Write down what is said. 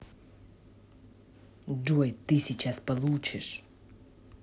джой ты сейчас получишь